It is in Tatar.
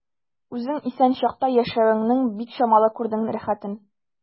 Үзең исән чакта яшәвеңнең бик чамалы күрдең рәхәтен.